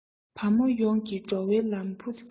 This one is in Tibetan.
བ མོ ཡོངས ཀྱི འགྲོ བའི ལམ བུ བཀག